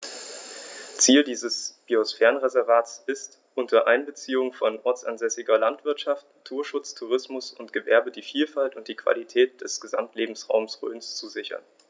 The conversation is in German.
Ziel dieses Biosphärenreservates ist, unter Einbeziehung von ortsansässiger Landwirtschaft, Naturschutz, Tourismus und Gewerbe die Vielfalt und die Qualität des Gesamtlebensraumes Rhön zu sichern.